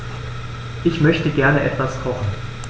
Ich möchte gerne etwas kochen.